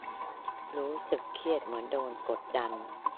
รู้สึกเครียดเหมือนโดนกดดัน